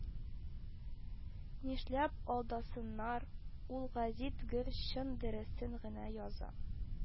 – нишләп алдасыннар, ул гәзит гел чын дөресен генә яза